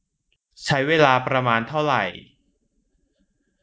ใช้เวลาประมาณเท่าไหร่